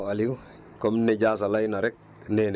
Dia sy Fane